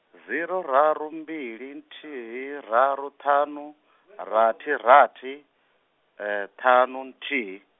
zero raru mbili nthihi raru ṱhanu, rathi rathi, ṱhanu nthihi.